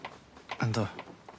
Yndw.